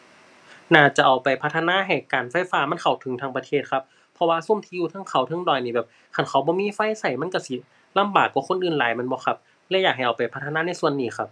น่าจะเอาไปพัฒนาให้การไฟฟ้ามันเข้าถึงทั้งประเทศครับ เพราะว่าซุมที่อยู่เทิงเขาเทิงดอยนี่แบบ คันเขาบ่มีไฟใช้มันใช้สิลำบากกว่าคนอื่นหลายแม่นบ่ครับ เลยอยากให้เอาไปพัฒนาในส่วนนี้ครับ